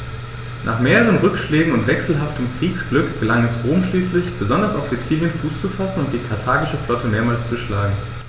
Nach mehreren Rückschlägen und wechselhaftem Kriegsglück gelang es Rom schließlich, besonders auf Sizilien Fuß zu fassen und die karthagische Flotte mehrmals zu schlagen.